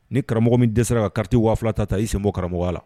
Ni karamɔgɔ min dɛsɛra ka kari waa fila ta ta i sɛ karamɔgɔ la